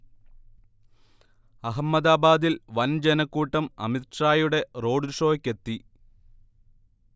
അഹമ്മദാബാദിൽ വൻ ജനക്കൂട്ടം അമിത്ഷായുടെ റോഡ് ഷോയ്ക്കെത്തി